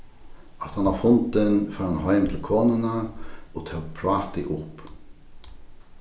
aftan á fundin fór hann heim til konuna og tók prátið upp